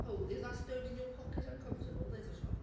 Oh, is that stone in your pocket uncomfortable there's a shock.